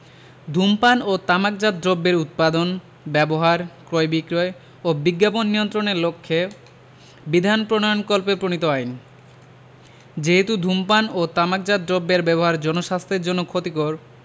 ধূমপান ও তামাকজাত দ্রব্যের উৎপাদন ব্যবহার ক্রয় বিক্রয় ও বিজ্ঞাপন নিয়ন্ত্রণের লক্ষ্যে বিধান প্রণয়নকল্পে প্রণীত আইন যেহেতু ধূমপান ও তামাকজাত দ্রব্যের ব্যবহার জনস্বাস্থ্যের জন্য ক্ষতিকর